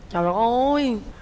trồi ôi